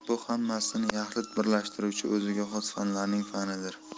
bu hammasini yaxlit birlashtiruvchi o'ziga xos fanlarning fanidir